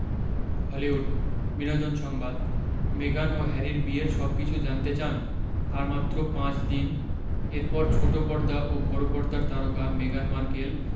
Hollywood বিনোদন সংবাদ মেগান ও হ্যারির বিয়ের সবকিছু জানতে চান আর মাত্র পাঁচ দিন এরপর ছোট পর্দা ও বড় পর্দার তারকা মেগান মার্কেল